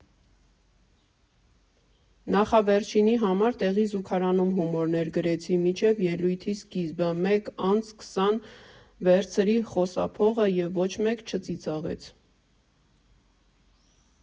Նախավերջինի համար տեղի զուգարանում հումորներ գրեցի, մինչև ելույթի սկիզբը, մեկ անց քսան վերցրի խոսափողը և ոչ մեկ չծիծաղեց։